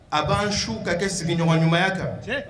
A b'an su ka kɛ sigiɲɔgɔn ɲumanya kan tiɲɛ